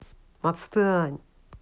отстань